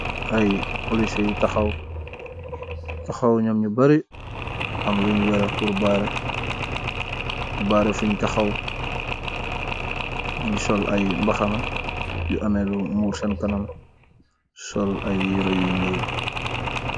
Ay polise yu taxaw, ñoom ñu bari am luñ yore buur baare, baare fuñ taxaw, ngi sol ay mbaxana yu amelu muur seen kanam, sol ay yëra yu ñuul.